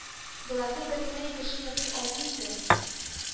Боларны бер генә кеше ясый алмый инде